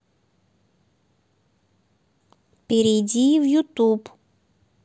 перейди в ютуб